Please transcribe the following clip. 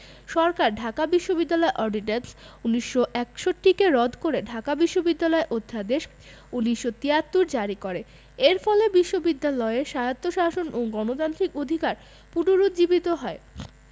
সরকার ঢাকা বিশ্ববিদ্যালয় অর্ডিন্যান্স ১৯৬১ রদ করে ঢাকা বিশ্ববিদ্যালয় অধ্যাদেশ ১৯৭৩ জারি করে এর ফলে বিশ্ববিদ্যালয়ের স্বায়ত্তশাসন ও গণতান্ত্রিক অধিকার পুনরুজ্জীবিত হয়